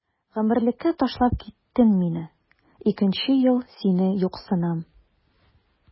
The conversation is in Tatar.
Гомерлеккә ташлап киттең мине, икенче ел сине юксынам.